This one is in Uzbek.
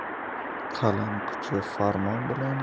qalam kuchi farmon bilan